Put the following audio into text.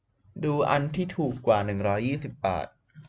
ดูอันที่ถูกกว่าร้อยยี่สิบบาท